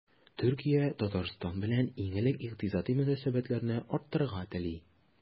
Төркия Татарстан белән иң элек икътисади мөнәсәбәтләрне арттырырга тели.